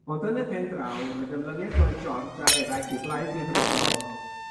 Ond yn y pen draw, roedd ymlyniad Lloyd George a'r eraill i blaid Rhyddfrydol